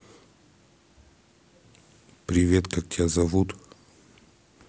привет как тебя зовут